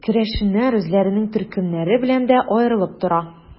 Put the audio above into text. Керәшеннәр үзләренең төркемнәре белән дә аерылып тора.